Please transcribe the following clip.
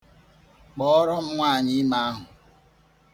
Kpọọrọ m nwaanyịime ahụ.